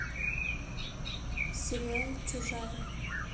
сериал чужая